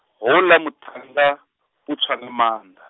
houḽa muṱhannga u tswa nga manda.